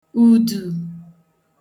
ùdù